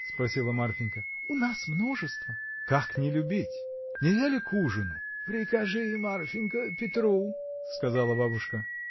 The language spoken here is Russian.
— спросила Марфинька, — у нас множество. — Как не любить? Нельзя ли к ужину?. — Прикажи, Марфинька, Петру. — сказала бабушка.